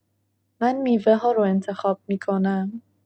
من میوه‌ها رو انتخاب می‌کنم.